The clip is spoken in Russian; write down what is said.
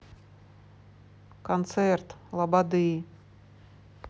концерт лободы